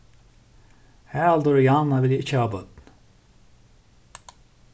haraldur og jana vilja ikki hava børn